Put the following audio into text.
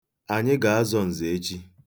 Anyị ga-azọ nzọ echi.